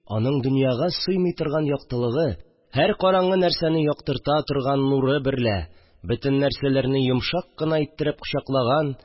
Аның дөньяга сыймый торган яктылыгы, һәр караңгы нәрсәне яктырта торган нуры берлә бөтен нәрсәләрне йомшак кына иттереп кочаклаган